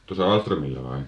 tuossa Ahlströmillä vai